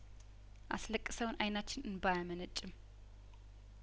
አስለቅሰውን አይናችን እንባ አያመነጭም